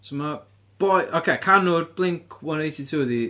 so ma' boi... ocê, canwr Blink one eighty two 'di...